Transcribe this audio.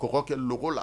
Kɔ kɛ la